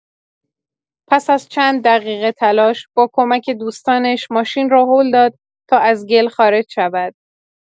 پس از چند دقیقه تلاش، با کمک دوستانش ماشین را هل داد تا از گل خارج شود.